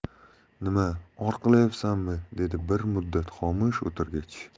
nima or qilyapsanmi dedi bir muddat xomush o'tirgach